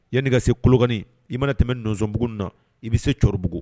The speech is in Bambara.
Yan'i ka se Kolokani i mana tɛmɛ Nɔnsɔnbugu ninnu na i bɛ se Cɔribugu